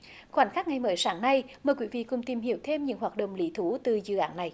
khoảnh khắc ngày mới sáng nay mời quý vị cùng tìm hiểu thêm những hoạt động lý thú từ dự án này